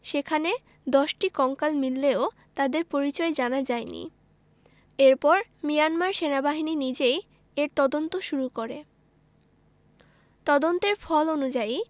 সেখানে ১০টি কঙ্কাল মিললেও তাদের পরিচয় জানা যায়নি এরপর মিয়ানমার সেনাবাহিনী নিজেই এর তদন্ত শুরু করে তদন্তের ফল অনুযায়ী